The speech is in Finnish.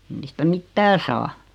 ei niistä mitään saa